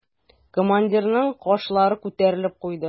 Командирның кашлары күтәрелеп куйды.